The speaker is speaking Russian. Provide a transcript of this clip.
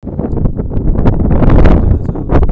валера и динозавр